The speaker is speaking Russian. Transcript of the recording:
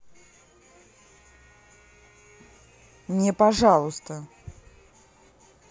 не пожалуйста